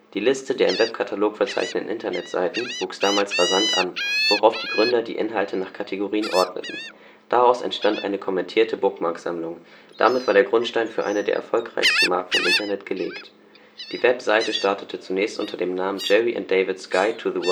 Die Liste der im Webkatalog verzeichneten Internetseiten wuchs damals rasant an, worauf die Gründer die Inhalte nach Kategorien ordneten. Daraus entstand eine kommentierte Bookmark-Sammlung. Damit war der Grundstein für eine der erfolgreichsten Marken im Internet gelegt. Die Website startete zunächst unter dem Namen „ Jerry and David´s Guide to the World